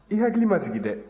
i hakili ma sigi dɛ